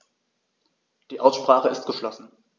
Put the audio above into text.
Die Aussprache ist geschlossen.